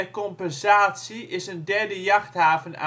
compensatie is een derde jachthaven aangelegd: Jachthaven